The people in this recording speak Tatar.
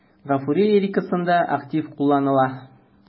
Гафури лирикасында актив кулланыла.